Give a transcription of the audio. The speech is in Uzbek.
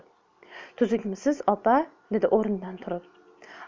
tuzukmisiz opa dedi o'rnidan turib